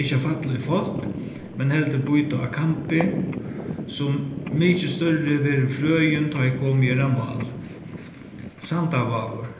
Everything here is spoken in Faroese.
ikki at falla í fátt men heldur bíta á kampi so mikið størri verður frøin tá ið komið er á mál sandavágur